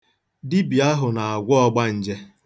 Dibịa ahụ na-agwọ ọgbanje.